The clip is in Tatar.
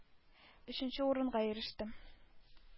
Өченче урынга ирештем.